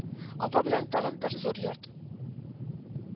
Апа белән тагын бер зур йорт